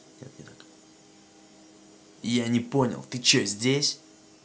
я не понял ты че здесь